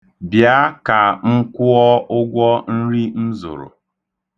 Bịa ka m kwụọ ụgwọ nri m zụrụ.